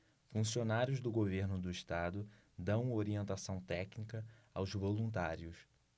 funcionários do governo do estado dão orientação técnica aos voluntários